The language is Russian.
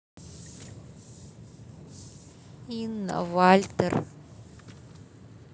инна вальтер